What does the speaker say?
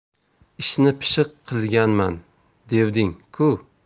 ishni pishiq qilganman devding ku